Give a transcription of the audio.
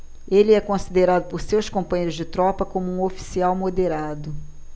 ele é considerado por seus companheiros de tropa como um oficial moderado